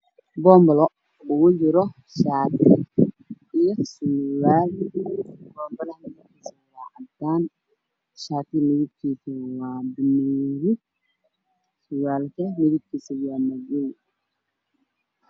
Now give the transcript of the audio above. Waa boonbale uu ku jiro shaati galaha midabkiisa waa caddaan shaatiga waa bluuk caddays surwaalka waa madow